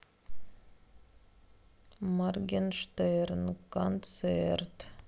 моргенштерн концерт